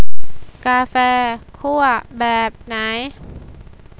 กาแฟคั่วแบบไหน